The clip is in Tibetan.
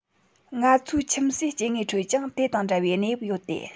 ང ཚོའི ཁྱིམ གསོས སྐྱེ དངོས ཁྲོད ཀྱང དེ དང འདྲ བའི གནས བབ ཡོད དེ